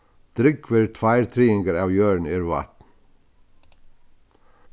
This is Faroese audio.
drúgvir tveir triðingar av jørðini eru vatn